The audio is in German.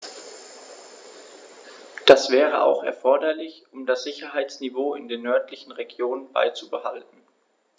Das wäre auch erforderlich, um das Sicherheitsniveau in den nördlichen Regionen beizubehalten.